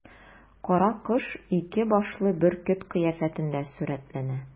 Каракош ике башлы бөркет кыяфәтендә сурәтләнә.